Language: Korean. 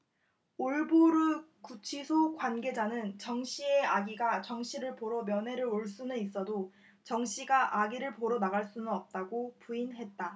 올보르 구치소 관계자는 정 씨의 아기가 정 씨를 보러 면회를 올 수는 있어도 정 씨가 아기를 보러 나갈 수는 없다고 부인했다